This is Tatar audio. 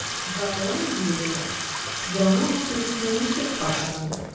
Голландиялеләр яңа материкны ничек атаганнар?